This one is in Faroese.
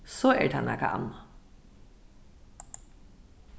so er tað nakað annað